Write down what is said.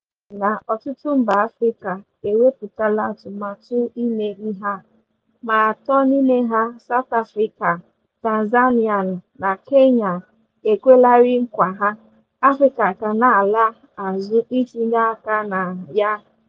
N'agbanyeghị na ọtụtụ mba Afrịka ewepụtala atụmatụ ime ihe ha, ma atọ n'ime ha - South Africa, Tanzania, na Kenya - ekwelarịị nkwa ha, Afrịka ka na-ala azụ itinye aka na ya.